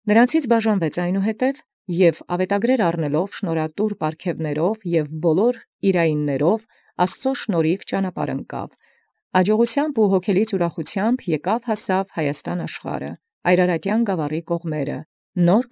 Յորոց հրաժարեալք այնուհետև և առեալ թուղթս աւետագիրս, հանդերձ շնորհատուր պարգևաւքն և ամենայն իւրայիւքն, ի շնորհացն Աստուծոյ ճանապարհորդ լինէր. զաւթևանաւք անցեալ աջողութեամբ և հոգելից ուրախութեամբ եկեալ հասանէր ի Հայաստան աշխարհն, ի կողմանս Այրարատեան գաւառին, առ սահմանաւք Նոր։